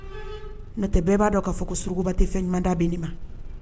Natɛ bɛɛ b'a dɔn ka fɔ ko surukuba tɛ fɛn ɲumanda bɛ ne ma